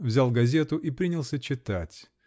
взял газету и принялся читать.